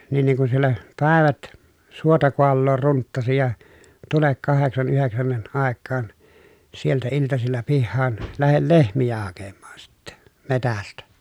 niin niin kun siellä päivät suota kaaloa runttasi ja tule kahdeksan yhdeksänkin aikaan sieltä iltasilla pihaan lähde lehmiä hakemaan sitten metsästä